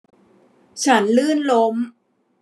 ฉันลื่นล้ม